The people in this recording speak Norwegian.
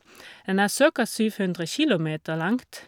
Den er cirka syv hundre kilometer langt.